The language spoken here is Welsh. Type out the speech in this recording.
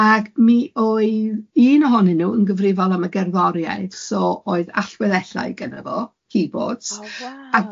Ag mi oedd un ohonyn nhw yn gyfrifol am y gerddoriaeth, so oedd allweddellau gynno fo, keyboards. O waw.